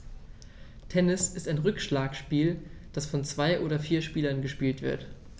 Tennis ist ein Rückschlagspiel, das von zwei oder vier Spielern gespielt wird.